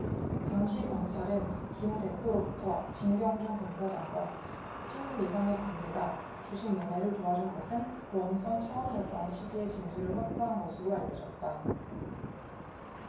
당시 검찰은 김 대표로부터 진경준 검사장과 친구 이상의 관계다 주식 매매를 도와준 것은 보험성 차원이었다는 취지의 진술을 확보한 것으로 알려졌다